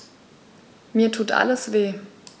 Mir tut alles weh.